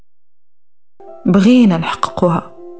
بغينا الحقها